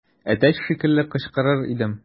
Әтәч шикелле кычкырыр идем.